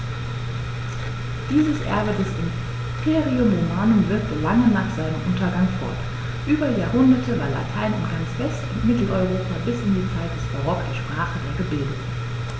Dieses Erbe des Imperium Romanum wirkte lange nach seinem Untergang fort: Über Jahrhunderte war Latein in ganz West- und Mitteleuropa bis in die Zeit des Barock die Sprache der Gebildeten.